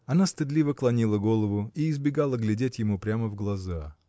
Она стыдливо клонила голову и избегала глядеть ему прямо в глаза.